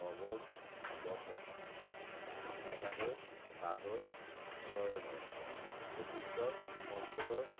নবম দশম একাদশ দ্বাদশ ত্ৰয়োদশ চতুর্দশ পঞ্চদশ